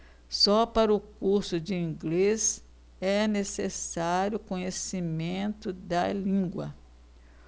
só para o curso de inglês é necessário conhecimento da língua